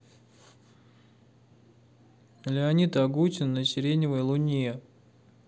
леонид агутин на сиреневой луне